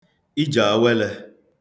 ijèawelē